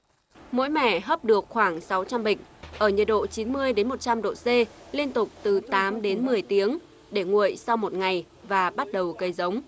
mỗi mẻ hấp được khoảng sáu trăm bịch ở nhiệt độ chín mươi đến một trăm độ xê liên tục từ tám đến mười tiếng để nguội sau một ngày và bắt đầu cấy giống